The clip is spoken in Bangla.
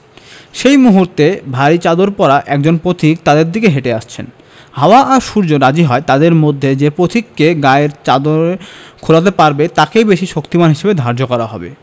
সেই মুহূর্তে ভারি চাদর পরা একজন পথিক তাদের দিকে হেটে আসেন হাওয়া আর সূর্য রাজি হয় তাদের মধ্যে যে পথিকে গায়ের চাদর খোলাতে পারবে তাকেই বেশি শক্তিমান হিসেবে ধার্য করা হবে